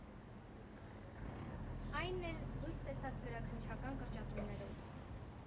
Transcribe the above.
Այն էլ՝ լույս տեսած գրաքննչական կրճատումներով։